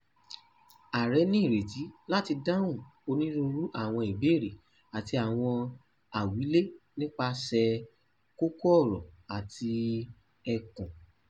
Ààrẹ ní ìrètí láti dáhùn onírúurú àwọn ìbéèrè àti àwọn àwílé nípasẹ̀ kókó-ọ̀rọ̀ àti ẹkùn.